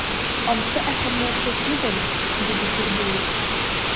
Ансы әһәмиятле түгел,— диде Сергеев.